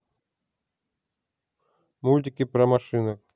мультики про машинок